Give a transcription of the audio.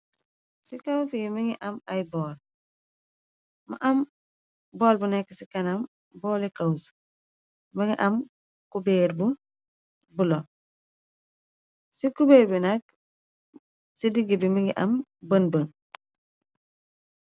Ci kawfi yi mi ngi am ay bool mu am bool bu nekk ci kanam boole couse mi ngi am kubéer bu bu lo ci cubéer bi nekk ci digg bi mi ngi am bon bon.